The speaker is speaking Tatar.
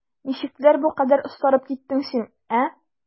Ничекләр бу кадәр остарып киттең син, ә?